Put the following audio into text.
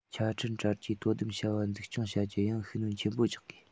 ཆ འཕྲིན དྲ རྒྱའི དོ དམ བྱ བ འཛུགས སྐྱོང བྱ རྒྱུར ཡང ཤུགས སྣོན ཆེན པོ རྒྱག དགོས